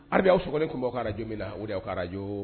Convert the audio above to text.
Arabu aw skɔni tunbaw ka jo minmina na o de ka jo